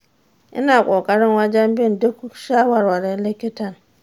ina ƙoƙari wajen bin duk shawarwarin likitan.